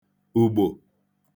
ùgbò